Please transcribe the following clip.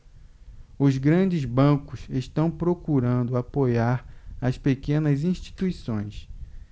os grandes bancos estão procurando apoiar as pequenas instituições